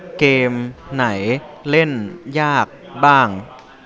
เกมไหนเล่นยากบ้าง